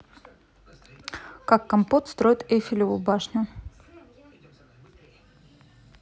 как компот строит эльфивую башню